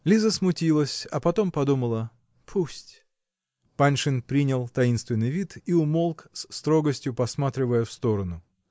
Лиза смутилась, а потом подумала: "Пусть!" Паншин принял таинственный вид и умолк, с строгостью посматривая в сторону.